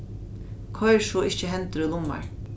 koyr so ikki hendur í lummar